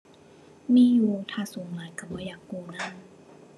มีอยู่ ถ้าสูงหลายก็บ่อยากกู้นำ